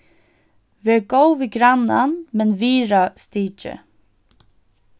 ver góð við grannan men virða stikið